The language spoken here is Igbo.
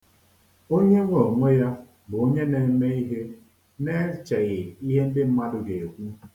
Onye nwe onwe ya bụ onye na-eme ihe na-echeghi ihe ndị mmadụ ga-ekwu.